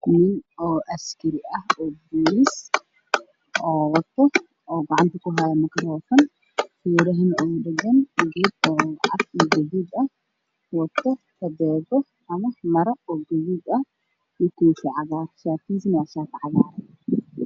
Nin oo askari ah oo gacanta kuhaayo makaroofan feeraha oga dhagan geed gaduud ah wato maro gaduudan, koofi cagaar ah iyo shaati cagaar ah.